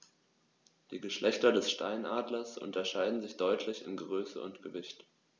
Die Geschlechter des Steinadlers unterscheiden sich deutlich in Größe und Gewicht.